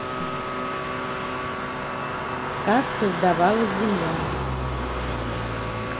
как создавалась земля